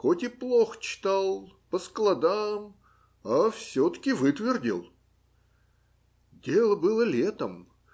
хоть и плохо читал, по складам, а все-таки вытвердил. Дело было летом